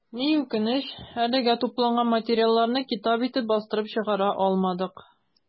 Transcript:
Ни үкенеч, әлегә тупланган материалларны китап итеп бастырып чыгара алмадык.